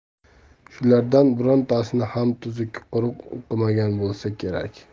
shulardan birontasini ham tuzuk quruq o'qimagan bo'lsa kerak